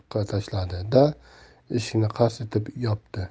tashladi da eshikni qars etib yopdi